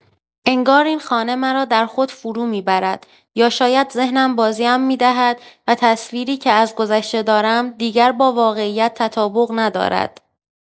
انگار این خانه مرا در خود فرومی‌برد، یا شاید ذهنم بازی‌ام می‌دهد و تصویری که از گذشته دارم، دیگر با واقعیت تطابق ندارد.